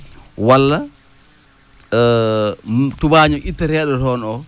walla tubaañoo itteteeɗo toon oo